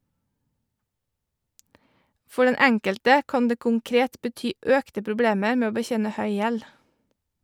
For den enkelte kan det konkret bety økte problemer med å betjene høy gjeld.